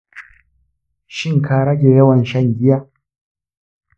shin ka rage yawan shan giya?